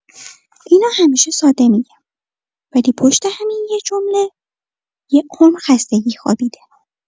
اینو همیشه ساده می‌گم، ولی پشت همین یه جمله یه عمر خستگی خوابیده.